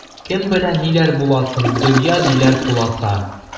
Кем белә ниләр буласын, дөнья, диләр, куласа.